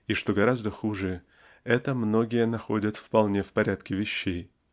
И, что гораздо хуже, это многие находят вполне в порядке вещей.